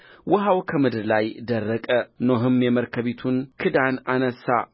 ውኃው ከምድር ላይ ደረቀ ኖኅም የመርከቢቱን ክዳን አነሣ